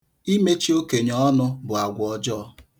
Imechi okenye ọnụ bụ agwa ọjọọ.